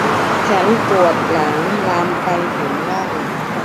ฉันปวดหลังลามไปถึงน่อง